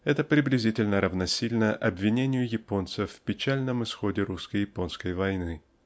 это приблизительно равносильно обвинению японцев в печальном исходе русско-японской войны.